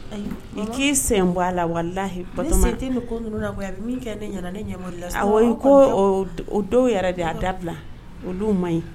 N k'i sen bɔ a lalayi p min kɛ ne ne ko o yɛrɛ de a dabila o ma ɲi